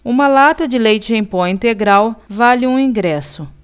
uma lata de leite em pó integral vale um ingresso